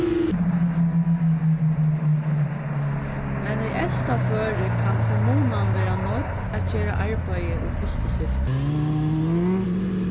men í evsta føri kann kommunan verða noydd at gera arbeiðið í fyrstu syftu